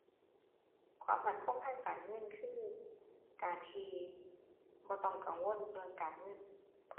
ความมั่นคงทางการเงิน คือ การที่บ่ต้องกังวลเรื่องการเงิน